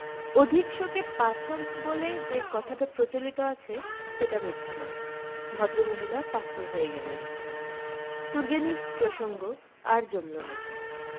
অধিক শোকে পাথর বলে যে কথাটা প্রচলিত আছে সেটা মিথ্যা নয় ভদ্র মহিলা পাথর হয়ে গেলেন তুর্গেনিভ প্রসঙ্গ আর জমল না